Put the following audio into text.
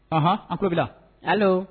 Hɔnan an kobi yala